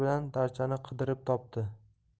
bilan darchani qidirib topdi